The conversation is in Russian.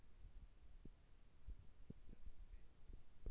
у меня настроение